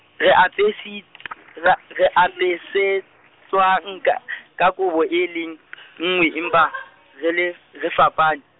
re apesi-, re a, re apesitswang ka , ka kobo e le, nngwe empa, re le, re fapane.